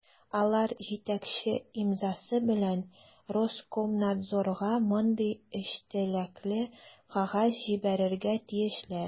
Алар җитәкче имзасы белән Роскомнадзорга мондый эчтәлекле кәгазь җибәрергә тиешләр: